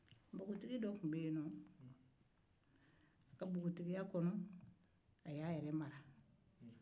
npogotigi dɔ tun bɛ yennin nɔ a y'a yɛrɛ mara a ka npogotigiya kɔnɔ